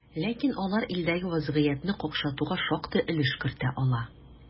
Ләкин алар илдәге вазгыятьне какшатуга шактый өлеш кертә ала.